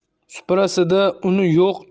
suprasida uni yo'q